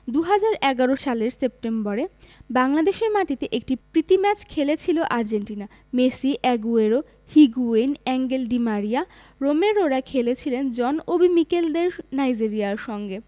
২০১১ সালের সেপ্টেম্বরে বাংলাদেশের মাটিতে একটি প্রীতি ম্যাচ খেলেছিল Argentina Messi Aguero Higuain Angel di Maria রোমেরোরা খেলেছিলেন জন ওবি মিকেলদের নাইজেরিয়ার সঙ্গে